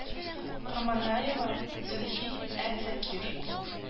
Корманаева Зөлхи ә Зәкир